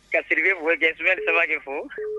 Ka siri bɛ bonya sɛbɛn saba fo